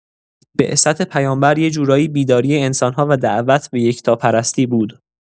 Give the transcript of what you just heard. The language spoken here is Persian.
بعثت پیامبر یه جورایی بیداری انسان‌ها و دعوت به یکتاپرستی بود.